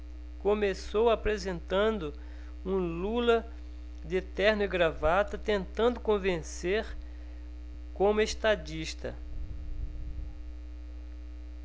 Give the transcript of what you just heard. começou apresentando um lula de terno e gravata tentando convencer como estadista